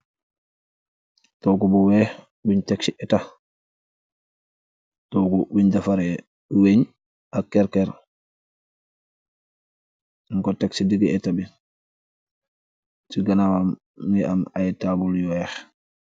Tohgu bu wekh bingh tek cii ehtah, tohgu bungh defareh weungh ak kerre kerre, njung kor tek cii digi ehtah bii, chii ganawam mungy am aiiy taabul yu wekh.